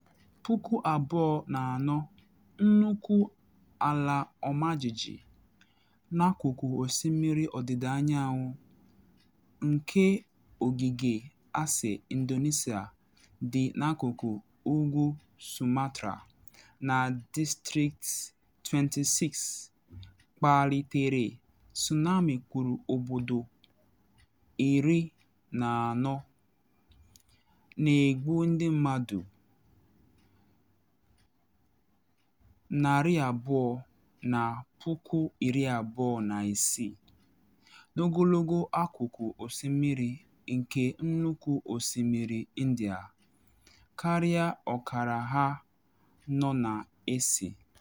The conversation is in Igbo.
2004: Nnukwu ala ọmajiji n’akụkụ osimiri ọdịda anyanwụ nke ogige Aceh Indonesia dị n’akụkụ ugwu Sumatra na Dis. 26 kpalitere tsunami kụrụ obodo 14, na egbu ndị mmadụ 226,000 n’ogologo akụkụ osimiri nke Nnukwu Osimiri India, karịa ọkara ha nọ na Aceh.